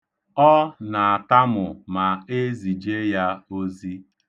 Ọ na-atamu ma e zie ya ozi.